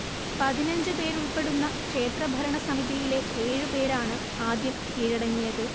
പതിനഞ്ചുപേരുൾപ്പെടുന്ന ക്ഷേത്രഭരണസമിതിയിലെ ഏഴുപേരാണ് ആദ്യം കീഴടങ്ങിയത്